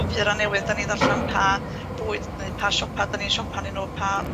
papura' newydd 'dan ni'n ddarllan pa fwyd neu pa siopa' 'dan ni'n siopa ynyn n'w pa